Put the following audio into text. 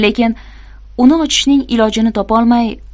lekin uni ochishning ilojini topolmay